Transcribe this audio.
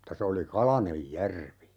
mutta se oli kalainen järvi